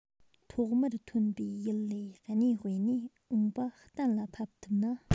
ཐོག མར ཐོན པའི ཡུལ ལས གནས སྤོས ནས འོངས པ གཏན ལ ཕབ ཐུབ ན